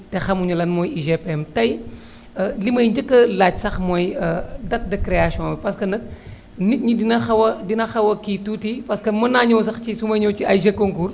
te xamuñu lan mooy UGPM tey li may njëkk a laaj sax mooy date de création am parce que nag nit ñi dina xaw a dina xaw a kii tuuti parce que mën naa ñëw sax ci sumay ñëw si ay jeux concours